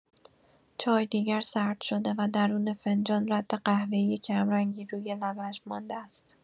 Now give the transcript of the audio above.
چای دیگر سرد شده و درون فنجان، رد قهوه‌ای کمرنگی روی لبه‌اش مانده است.